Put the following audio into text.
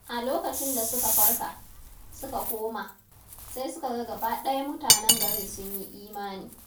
A lokacin da suka farka, suka koma, sai suka ga gabaɗaya mutanen garin sun yi imani